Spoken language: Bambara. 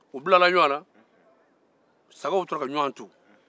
u bilara ɲɔgɔn na sagaw tora ka ɲɔgɔn tu